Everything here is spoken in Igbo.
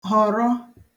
họ̀rọ